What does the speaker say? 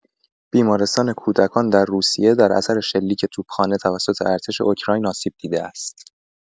بیمارستان کودکان در روسیه در اثر شلیک توپخانه توسط ارتش اوکراین آسیب دیده است.